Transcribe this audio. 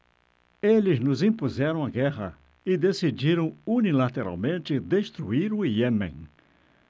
eles nos impuseram a guerra e decidiram unilateralmente destruir o iêmen